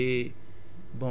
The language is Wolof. amandement la